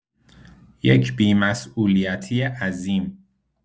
یک بی‌مسولیتی عظیم